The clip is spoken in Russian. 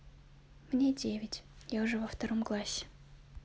мне девять я уже во втором классе